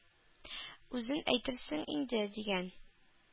Үзең әйтерсең инде,— дигән.